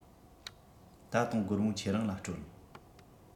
ད དུང སྒོར མོ ཁྱེད རང ལ སྤྲོད